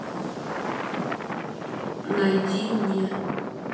найди мне